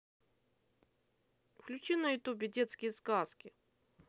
включи на ютубе детские сказки